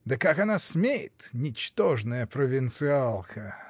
Да как она смеет, ничтожная провинциалка!